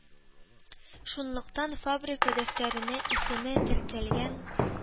Шунлыктан фабрика дәфтәрләренә исеме теркәлгән